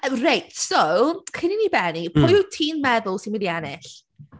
Reit, so, cyn i ni bennu, pwy wyt ti’n meddwl sy’n mynd i ennill?